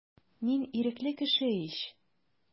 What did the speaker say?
Мин ирекле кеше ич.